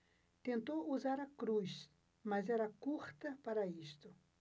tentou usar a cruz mas era curta para isto